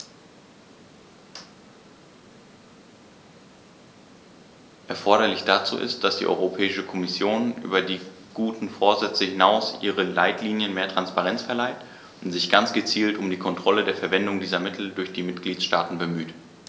Erforderlich dazu ist, dass die Europäische Kommission über die guten Vorsätze hinaus ihren Leitlinien mehr Transparenz verleiht und sich ganz gezielt um die Kontrolle der Verwendung dieser Mittel durch die Mitgliedstaaten bemüht.